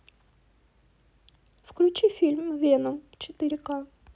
включи фильм веном четыре ка